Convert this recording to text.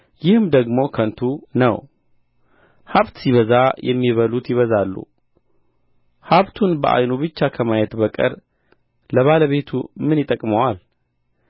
ይህም ደግሞ ከንቱ ነው ሀብት ሲበዛ የሚበሉት ይበዛሉ ሀብቱን በዓይኑ ብቻ ከማየት በቀር ለባለቤቱ ምን ይጠቅመዋል